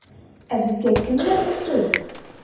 Ә безгә кемнәр ошый?